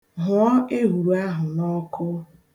Hụọ ehuru ahụ n'ọkụ.